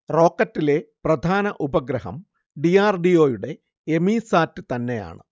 റോക്കറ്റിലെ പ്രധാന ഉപഗ്രഹം D. R. D. O. യുടെ എമീസാറ്റ് തന്നെയാണ്